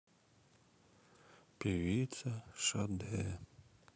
певица шаде